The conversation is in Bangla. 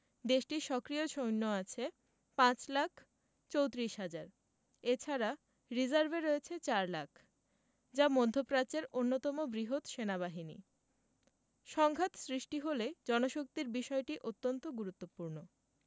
দেশটির সক্রিয় সৈন্য রয়েছে ৫ লাখ ৩৪ হাজার এ ছাড়া রিজার্ভে রয়েছে ৪ লাখ যা মধ্যপ্রাচ্যের অন্যতম বৃহৎ সেনাবাহিনী সংঘাত সৃষ্টি হলে জনশক্তির বিষয়টি অন্তত গুরুত্বপূর্ণ